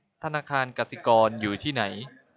ธนาคารกสิกรอยู่ที่ไหน